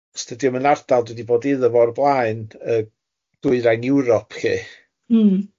Estudio mewn ardal dwi di bod iddo fo o'r blaen yy dwyrain Ewrop lly... Mm.